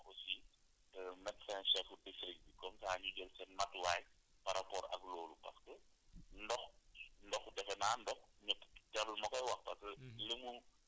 avertir les paysans aussi medecin chef fu district bi comme saa ñu jël seen i matuwaay par rapport ak loolu parce que ndox ndoxu defe naa ndox ñëpp jarl ma koy wax parce que